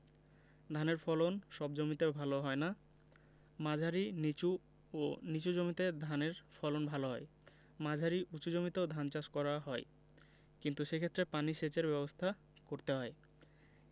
ধানের ফলন সব জমিতে ভালো হয় না মাঝারি নিচু ও নিচু জমিতে ধানের ফলন ভালো হয় মাঝারি উচু জমিতেও ধান চাষ করা হয় কিন্তু সেক্ষেত্রে পানি সেচের ব্যাবস্থা করতে হয়